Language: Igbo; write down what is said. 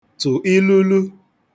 tụ̀ ilulu